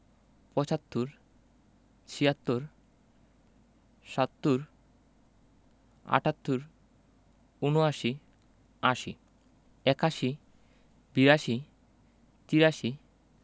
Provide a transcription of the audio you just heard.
৭৫ – পঁচাত্তর ৭৬ - ছিয়াত্তর ৭৭ – সাত্তর ৭৮ – আটাত্তর ৭৯ – উনআশি ৮০ - আশি ৮১ – একাশি ৮২ – বিরাশি ৮৩ – তিরাশি